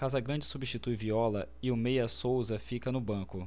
casagrande substitui viola e o meia souza fica no banco